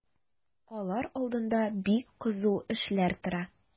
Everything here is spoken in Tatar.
Алар алдында бик кызу эшләр тора.